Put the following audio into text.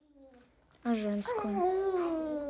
а женскую